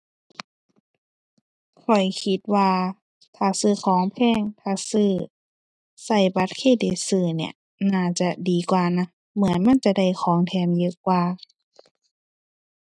ข้อยคิดว่าถ้าซื้อของแพง ถ้าซื้อ ใช้บัตรเครดิตซื้อเนี่ย น่าจะดีกว่านะ เหมือนมันจะได้ของแถมเยอะกว่า